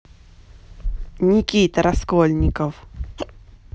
никита раскольников